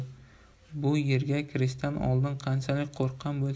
bu yerga kirishdan oldin qanchalik qo'rqqan bo'lsa